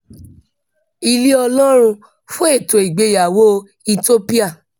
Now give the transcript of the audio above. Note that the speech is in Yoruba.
Ilé Ọlọ́run fún ètò ìgbéyàwó Ethiopia